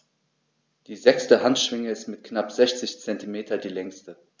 Die sechste Handschwinge ist mit knapp 60 cm die längste.